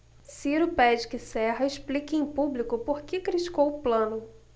ciro pede que serra explique em público por que criticou plano